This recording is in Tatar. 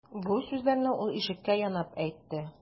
Бу сүзләрне ул ишеккә янап әйтте.